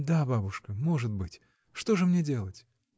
— Да, бабушка, может быть: что же мне делать?